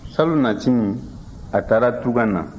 salonnasini a taara tunga na